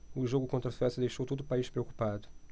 o jogo contra a suécia deixou todo o país preocupado